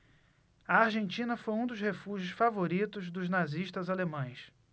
a argentina foi um dos refúgios favoritos dos nazistas alemães